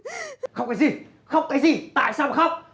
khóc cái gì khóc cái gì tại sao